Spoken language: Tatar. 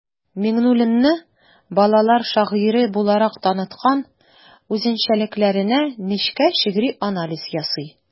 Миңнуллинны балалар шагыйре буларак таныткан үзенчәлекләренә нечкә шигъри анализ ясый.